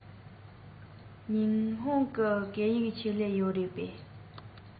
ཉི ཧོང གི སྐད ཡིག ཆེད ལས ཡོད རེད པས